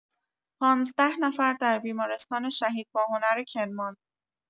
۱۵ نفر در بیمارستان شهید باهنر کرمان